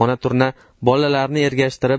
ona turna bolalarini ergashtirib